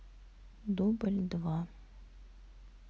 дубль два